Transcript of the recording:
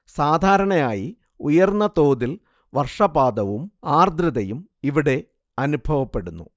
സാധാരണയായി ഉയർന്ന തോതിൽ വർഷപാതവും ആർദ്രതയും ഇവിടെ അനുഭവപ്പെടുന്നു